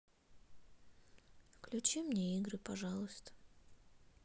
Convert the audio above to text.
включи мне игры пожалуйста